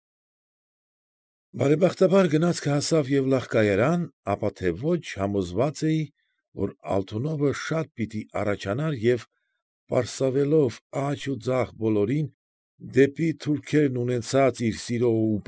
Բարեբախտաբար գնացքը հասավ Եվլախ կայարան, ապա թե ոչ համոզված էի, որ Ալթունովը շատ պիտի առաջանար և, պարսավելով աջ ու ձախ բոլորին, դեպի թուրքերն ունեցած իր սիրո ու։